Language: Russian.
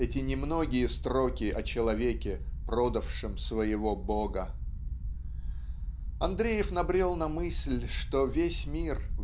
эти немногие строки о человеке продавшем своего Бога. Андреев набрел на мысль что весь мир